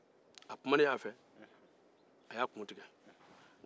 a kumanen a fɛ a y'a kun tigɛ